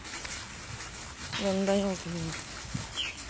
да надоел ты мне